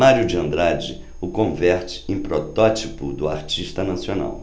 mário de andrade o converte em protótipo do artista nacional